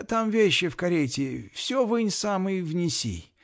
Там вещи в карете, все вынь сам и внеси.